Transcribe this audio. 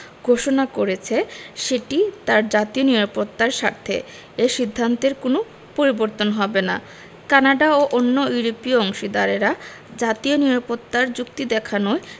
ঘোষণা করেছে সেটি তার জাতীয় নিরাপত্তার স্বার্থে এ সিদ্ধান্তের কোনো পরিবর্তন হবে না কানাডা ও অন্য ইউরোপীয় অংশীদারেরা জাতীয় নিরাপত্তা র যুক্তি দেখানোয়